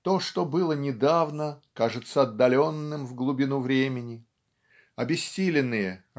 То, что было недавно, кажется отдаленным в глубину времени обессиленные